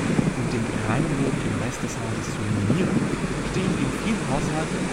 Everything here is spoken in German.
reinen “Boden im Rest des Hauses zu minimieren, stehen in vielen Haushalten